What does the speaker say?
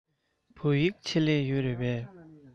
བོད ཡིག ཆེད ལས ཡོད རེད པས